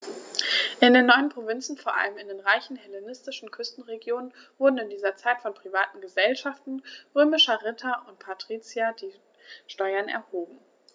In den neuen Provinzen, vor allem in den reichen hellenistischen Küstenregionen, wurden in dieser Zeit von privaten „Gesellschaften“ römischer Ritter und Patrizier die Steuern erhoben.